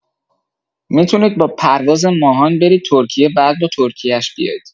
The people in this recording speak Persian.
می‌تونید با پرواز ماهان برید ترکیه بعد با ترکیش بیاید.